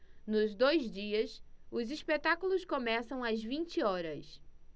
nos dois dias os espetáculos começam às vinte horas